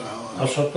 O ia.